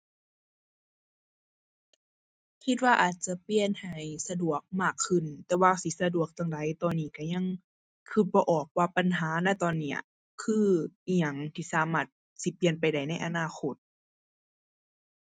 คิดว่าอาจจะเปลี่ยนให้สะดวกมากขึ้น แต่ว่าสิสะดวกจั่งใดตอนนี้ก็ยัง ก็บ่ออกว่าปัญหา ณ ตอนเนี้ย คืออิหยังที่สามารถสิเปลี่ยนไปได้ในอนาคต